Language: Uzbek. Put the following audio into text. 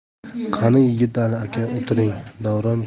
qani yigitali aka o'tiring davron